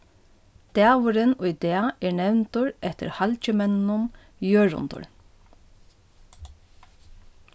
dagurin í dag er nevndur eftir halgimenninum jørundur